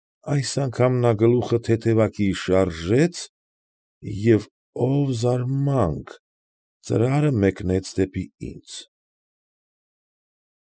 Այս անգամ նա գլուխը թեթևակի շարժեց և, ով զսրմանք, ծրարը մեկնեց դեպի ինձ։